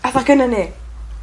Fatha gynnon ni?